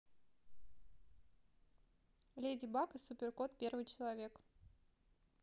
леди баг и суперкот первый человек